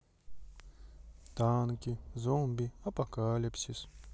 танки зомби апокалипсис